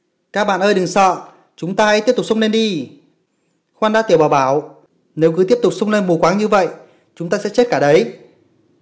các bạn ơi đừng sợ chung ta hãy tiếp tục xông lên đi khoan đã tiểu bảo bảo nếu cứ xông lên mù quáng như vậy chúng ta sẽ chết cả đấy